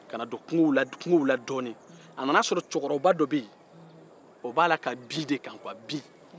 ka na don kugow la-kugow la dɔɔni a nana sɔrɔ cɛkɔrɔba dɔ bɛ yen o b'a la ka bin de kan kuwan bin